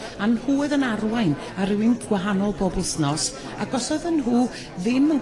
a nhw oedd yn arwain a rywun gwahanol bob wythnos ag os o'dden nhw ddim yn